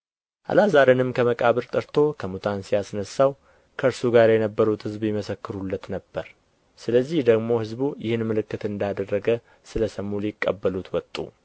አልዓዛርንም ከመቃብር ጠርቶ ከሙታን ሲያስነሣው ከእርሱ ጋር የነበሩት ሕዝብ ይመሰክሩለት ነበር ስለዚህ ደግሞ ሕዝቡ ይህን ምልክት እንዳደረገ ስለ ሰሙ ሊቀበሉት ወጡ